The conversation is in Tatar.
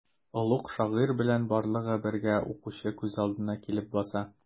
Олуг шагыйрь бөтен барлыгы белән укучы күз алдына килеп баса.